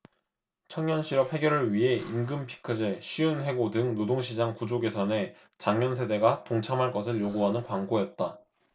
청년실업 해결을 위해 임금피크제 쉬운 해고 등 노동시장 구조 개선에 장년 세대가 동참할 것을 요구하는 광고였다